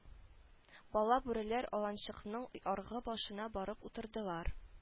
Бала бүреләр аланчыкның аргы башына барып утырдылар